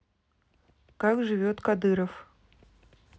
как живет кадыров